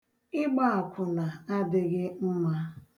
Ịgba akwụna adịghị mma.